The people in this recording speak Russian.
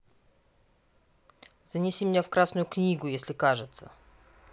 занеси меня в красную книгу если кажется